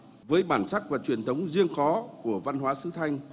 với bản sắc và truyền thống riêng có của văn hóa xứ thanh